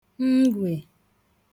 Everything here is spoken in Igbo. ngwè